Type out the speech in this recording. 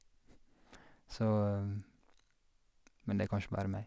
så Men det er kanskje bare meg.